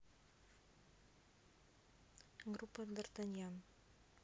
группа дартаньян